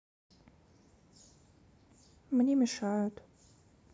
мне мешают